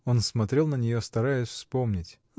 Он смотрел на нее, стараясь вспомнить.